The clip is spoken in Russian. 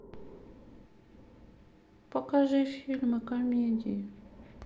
покажи фильмы комедии